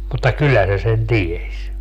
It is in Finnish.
mutta kyllä se sen tiesi